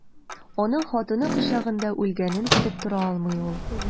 Аның хатыны кочагында үлгәнен көтеп тора алмый ул.